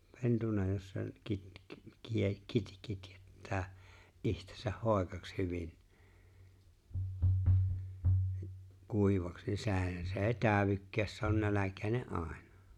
pentuna jos sen ---- kitjettää itsensä hoikaksi hyvin kuivaksi niin sehän se ei täydykään se on nälkäinen aina